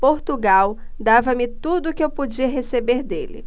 portugal dava-me tudo o que eu podia receber dele